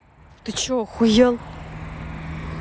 ты че охуел